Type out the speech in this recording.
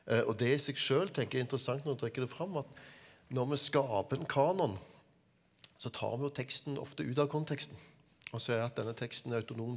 og det i seg sjøl tenker jeg er interessant når du trekker det fram at når vi skaper en kanon så tar vi jo teksten ofte ut av konteksten og sier at denne teksten er autonom.